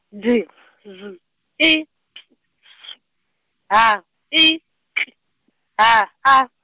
D Z I T S, H I K, H A.